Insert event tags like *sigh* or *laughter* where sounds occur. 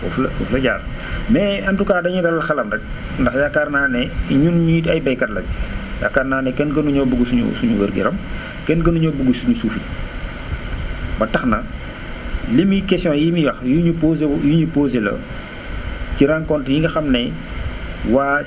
foofu la foofu la jaar *noise* mais en tout cas dañuy dalal xelam rek *noise* ndax yaakaar naa ne ñun ñii it ay baykat lañu *noise* yaakaar naa ne kenn gënuñoo bëgg suñu suñu wér gu yaram *noise* kenn gënuñoo bëgg suñu suuf gi *noise* ba tax na *noise* li muy questions yi muy wax yi mu posé yi ñu posé la *noise* ci rencontres yi nga xam ne *noise* waa